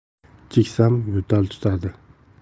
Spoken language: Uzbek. cheksam yo'tal tutadi